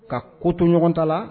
Ka ko to ɲɔgɔn ta la